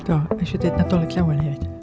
Do, ag isio deud Nadolig Llawen hefyd.